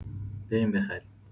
بریم بخریم.